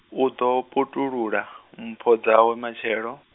u ḓo putulula, mpho dzawe matshelo.